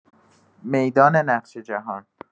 میدان نقش‌جهان